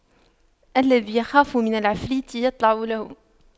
اللي يخاف من العفريت يطلع له